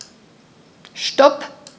Stop.